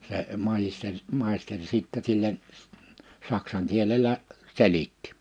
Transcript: se maisteri maisteri sitten sille saksan kielellä selitti